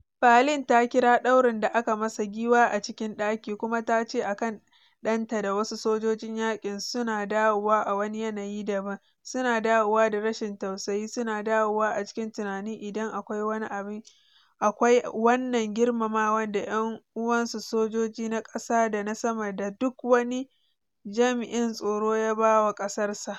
Palin ta kira ɗaurin da aka masa “Giwa a cikin ɗaki” kuma ta ce akan ɗanta da wasu sojojin yaki, “su na dawowa a wani yanayi daban, su na dawowa da rashin tausayi, su na dawowa a cikin tunanin idan akwai wannan girmamawan da yan’uwansu sojoji na kasa da na sama, da duk wani jam’in tsaro ya ba wa kasar sa.”